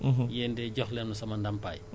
nga am foo koy jooytu balaa nga wax ko Etat bi